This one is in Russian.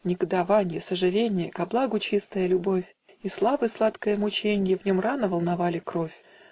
Негодованье, сожаленье, Ко благу чистая любовь И славы сладкое мученье В нем рано волновали кровь.